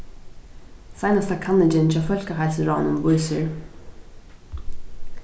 seinasta kanningin hjá fólkaheilsuráðnum vísir